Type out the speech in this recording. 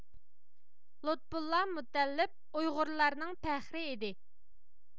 لۇتپۇللا مۇتەللىپ ئۇيغۇرلارنىڭ پەخرى ئىدى